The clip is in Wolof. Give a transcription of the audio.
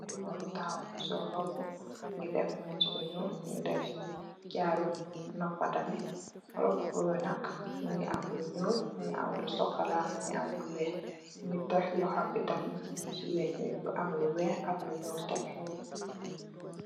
Am na ku tawhaw mu sol roba mu def mech bu nglu mu sol jaru nopa tamit. ruba nak mu nge ameh lu nul, lu sokolaa ak lu weyh mu tek lu hum bi tamit munge tek luhubi si weh bi lu weyh ak lu nul tamit.